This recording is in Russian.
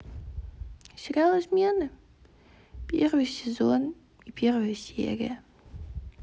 сериал измены первый сезон первая серия